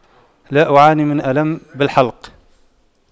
لا أعاني من ألم بالحلق